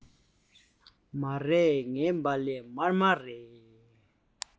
མ རེད ངའི སྦ ལན དམར པོ རེད